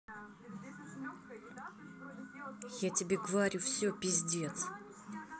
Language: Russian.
я тебе говорю все пиздец